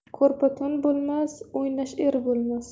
ko'rpa to'n bo'lmas o'ynash er bo'lmas